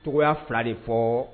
To fila de fɔ